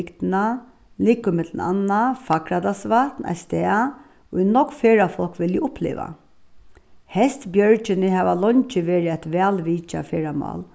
bygdina liggur millum annað fagradalsvatn eitt stað ið nógv ferðafólk vilja uppliva hestbjørgini hava leingi verið eitt væl vitjað ferðamál